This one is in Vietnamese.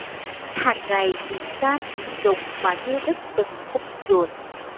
hàng ngày nhìn cam chín rụng mà như đứt từng khúc ruột